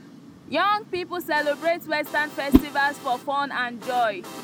Young people celebrate Western festivals for fun and joy.